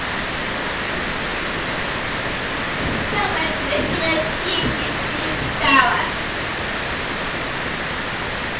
самая красивая песня из перестала